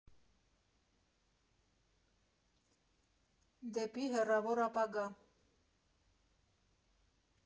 Դեպի հեռավոր ապագա։